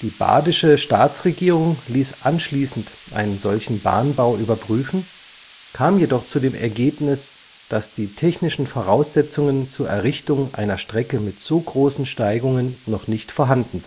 Badische Staatsregierung ließ anschließend einen solchen Bahnbau überprüfen, kam jedoch zu dem Ergebnis, dass die technischen Voraussetzungen zur Errichtung einer Strecke mit so großen Steigungen noch nicht vorhanden